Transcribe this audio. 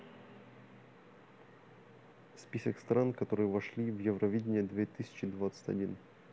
список стран которые вошли в евровидение две тысячи двадцать один